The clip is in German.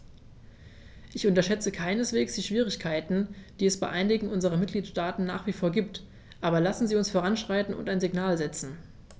Ich unterschätze keineswegs die Schwierigkeiten, die es bei einigen unserer Mitgliedstaaten nach wie vor gibt, aber lassen Sie uns voranschreiten und ein Signal setzen.